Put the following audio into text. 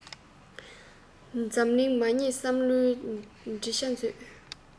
འཛམ གླིང མ བསྙེལ བསམ བློའི བྲིས བྱ མཛོད